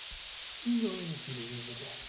игры на телевизоре